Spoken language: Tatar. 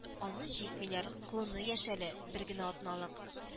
Аны җикмиләр – колыны яшь әле, бер генә атналык